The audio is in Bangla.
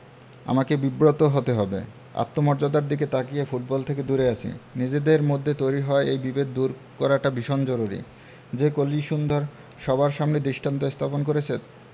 আমাকে বিব্রত হতে হবে আত্মমর্যাদার দিকে তাকিয়ে ফুটবল থেকে দূরে আছি নিজেদের মধ্যে তৈরি হওয়া এই বিভেদ দূর করাটা ভীষণ জরুরি যে কলিসুন্দর সবার সামনে দৃষ্টান্ত স্থাপন করেছে